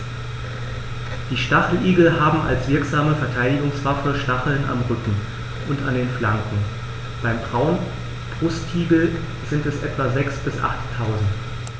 Die Stacheligel haben als wirksame Verteidigungswaffe Stacheln am Rücken und an den Flanken (beim Braunbrustigel sind es etwa sechs- bis achttausend).